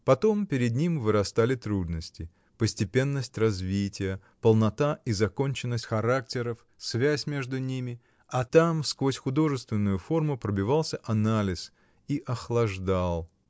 Потом перед ним вырастали трудности: постепенность развития, полнота и законченность характеров, связь между ними, а там, сквозь художественную форму, пробивался анализ и охлаждал.